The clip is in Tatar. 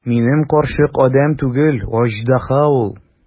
Минем карчык адәм түгел, аждаһа ул!